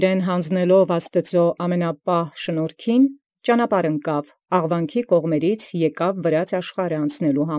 Եւ յանձն առնելով զնոսա և զանձն՝ ամենապահ շնորհացն Աստուծոյ, խաղացեալ գայր ի կողմանցն Աղուանից, անցանել յաշխարհն Վրաց։